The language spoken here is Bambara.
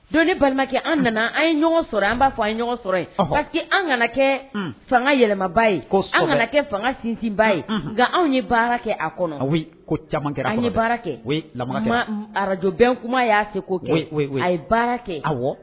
Don ni balimakɛ an nana an ye ɲɔgɔn sɔrɔ an b'a fɔ an ye ɲɔgɔn sɔrɔ pa que an kana kɛ fanga yɛlɛmaba ye kana kɛ fanga sinsinba ye nka anw ye baara kɛ a kɔnɔ a caman an baara kɛ kuma arajo bɛ kuma y'a se ko a ye baara kɛ